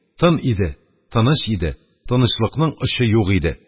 Тын иде, тыныч иде; тынычлыкның очы юк иде.